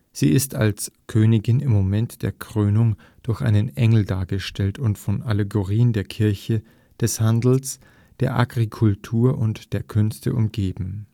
Sie ist als Königin im Moment der Krönung durch einen Engel dargestellt und von Allegorien der Kirche, des Handels, der Agrikultur und der Künste umgeben